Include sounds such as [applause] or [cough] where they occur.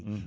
[hesitation] [hesitation]